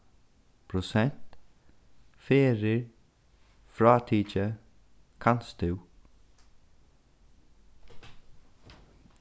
prosent ferðir frátikið kanst tú